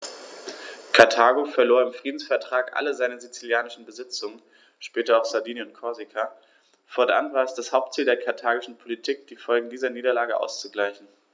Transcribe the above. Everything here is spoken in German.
Karthago verlor im Friedensvertrag alle seine sizilischen Besitzungen (später auch Sardinien und Korsika); fortan war es das Hauptziel der karthagischen Politik, die Folgen dieser Niederlage auszugleichen.